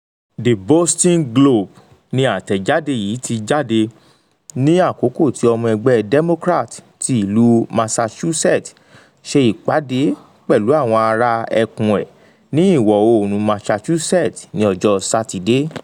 The Boston Globe ni àtẹ̀jáde yìí ti jáde ní àkókò tí ọmọ ẹgbẹ́ Democrat ti ìlú Massachusetts ṣe ìpàdé pẹ̀lú àwọn ará ẹkùn ẹ̀ ní iwọ̀-oòrùn Massachusetts ní ọjọ́ Sátidé.